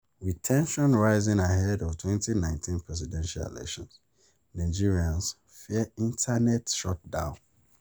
With tensions rising ahead of 2019 presidential elections, Nigerians fear internet shutdown